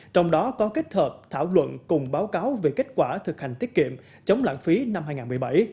trong đó có kết hợp thảo luận cùng báo cáo về kết quả thực hành tiết kiệm chống lãng phí năm hai ngàn mười bảy